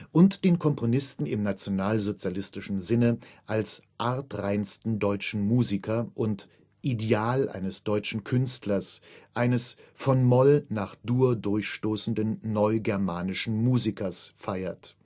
und den Komponisten im nationalsozialistischen Sinne als „ artreinsten deutschen Musiker “und „ Ideal eines deutschen Künstlers “, eines „ von Moll nach Dur durchstoßenden neugermanischen Musikers “feiert